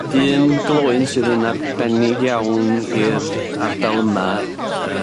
Un gloyn sydd yn arbennig iawn i'r ardal yma yy...